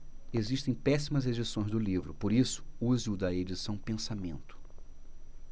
existem péssimas edições do livro por isso use o da edição pensamento